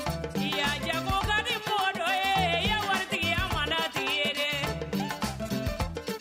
Miniyan ka ni mɔgɔtɔ ye yan matigi ma la tile ye la